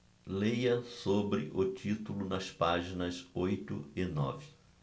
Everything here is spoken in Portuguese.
leia sobre o título nas páginas oito e nove